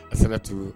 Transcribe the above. Asanatu